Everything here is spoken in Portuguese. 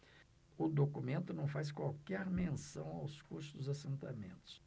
o documento não faz qualquer menção aos custos dos assentamentos